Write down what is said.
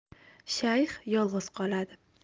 shayx yolg'iz qoladi